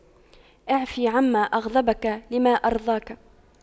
اعف عما أغضبك لما أرضاك